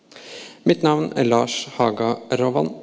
mitt navn er Lars Haga Raavand.